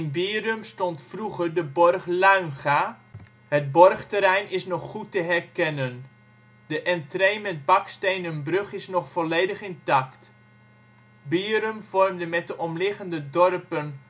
Bierum stond vroeger de borg Luinga. Het borgterrein is nog goed te herkennen. De entree met bakstenen brug is nog volledig intact. Bierum vormde met de omliggende dorpen